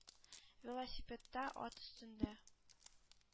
Велосипедта, ат өстендә...